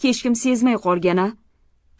hech kim sezmay qolgan a